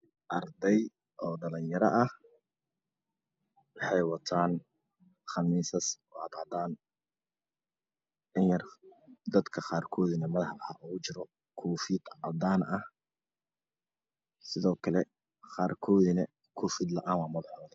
Arday oo dhalinyaro ah waxay wataan qamiisas oo cad cadaan in yar dadka qaarkoodana madaxa waxaa ugu jiro koofiyad cadaan ah sidoo kale qaarkoodana koofiyad la'aan waaye madaxooda